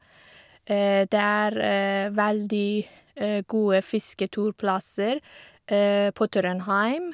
Det er veldig gode fisketurplasser på Trondheim.